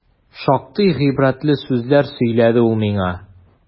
Шактый гыйбрәтле сүзләр сөйләде ул миңа.